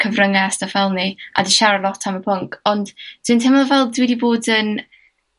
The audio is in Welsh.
cyfrynge a styff fel 'ny a 'di siarad lot am y pwnc ond dwi'n teimlo fel dwi 'di bod yn